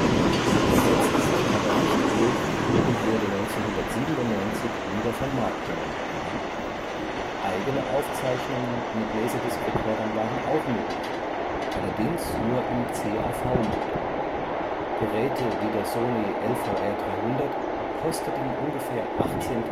setzte sich aber nicht durch und wurde 1997 wieder vom Markt genommen. Eigene Aufzeichnungen mit Laserdisc-Recordern waren auch möglich, allerdings nur im CAV-Mode. Geräte wie der Sony LVR300 kosteten ungefähr 18.000